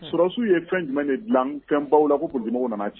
Susiw ye fɛn jumɛn de dilan fɛnbaww la ko bolimɔgɔw nana cɛ